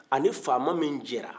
a ni faama min jɛra